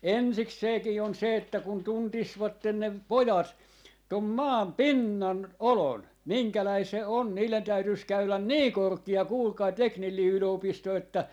ensikseenkin on se että kun tuntisivat ne pojat tuon maan pinnan olon minkälainen se on niiden täytyisi käydä niin korkea kuulkaa teknillinen yliopisto että